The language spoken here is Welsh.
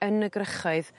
yn y grychoedd